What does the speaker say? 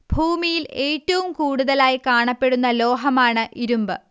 ഭൂമിയിൽ ഏറ്റവും കൂടുതലായി കാണപ്പെടുന്ന ലോഹമാണ് ഇരുമ്പ്